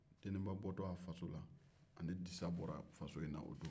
deniba bɔtɔ a faso la ani disa bɔra faso in don